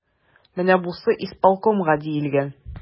Менә бусы исполкомга диелгән.